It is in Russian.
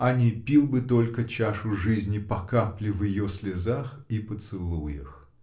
а не пил бы только чашу жизни по капле в ее слезах и поцелуях.